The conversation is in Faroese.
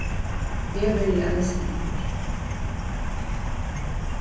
eg verði eisini har